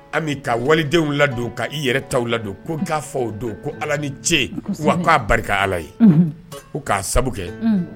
An ka walidenw ladon' i yɛrɛ taw ladon ko k'a fɔw don ko ala ni ce k'a barika ala ye k'a sababu kɛ